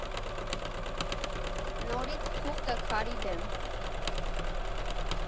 Նորից թուղթը՝ քարի դեմ…